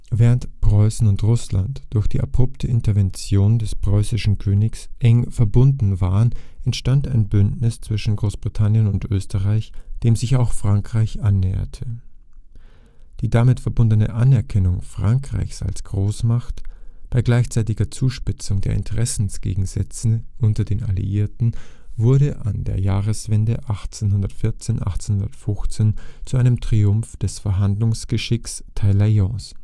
Während Preußen und Russland durch die abrupte Intervention des preußischen Königs eng verbunden waren, entstand ein Bündnis zwischen Großbritannien und Österreich, dem sich auch Frankreich annäherte. Die damit verbundene Anerkennung Frankreichs als Großmacht, bei gleichzeitiger Zuspitzung der Interessengegensätze unter den Alliierten, wurde an der Jahreswende 1814 / 1815 zu einem Triumph des Verhandlungsgeschicks Talleyrands